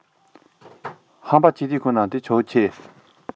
ཧམ པ ཆེ ན ཁྱོད ཆེ